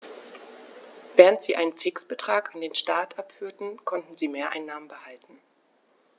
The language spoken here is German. Während sie einen Fixbetrag an den Staat abführten, konnten sie Mehreinnahmen behalten.